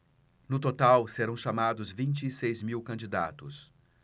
no total serão chamados vinte e seis mil candidatos